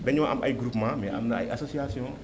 dañoo am ay groupements mais am na ay associations